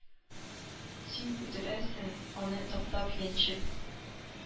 Син үтәрсең, аны таптап, яньчеп,